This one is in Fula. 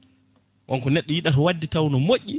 wonko neɗɗo yiɗata wadde taw ene moƴƴi